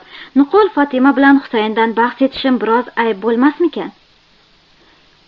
nuqul fotima bilan husayndan bahs etishim bir oz ayb bo'lmasmikan